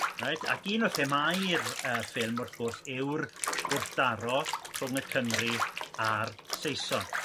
Reit ac un o themâu'r y ffilm wrth gwrs yw'r gwrthdaro rhwng y Cymry a'r Saeson.